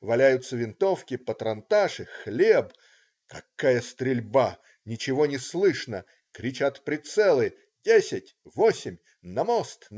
Валяются винтовки, патронташи, хлеб. Какая стрельба! Ничего не слышно. Кричат прицелы: "Десять! Восемь! На мост!